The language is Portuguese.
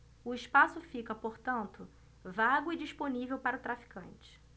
o espaço fica portanto vago e disponível para o traficante